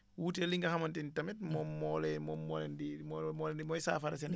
wute li nga xamante ni tamit moom moo lay moom moo leen di moo moo mooy saafara seen